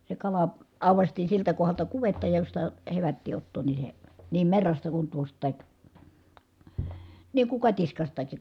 se kala aukaistiin siltä kohdalta kuvetta josta hevättiin ottaa niin se niin merrasta kuin tuostakin niin kuin katiskastakin